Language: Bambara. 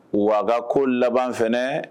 Wa a ka ko laban fɛnɛ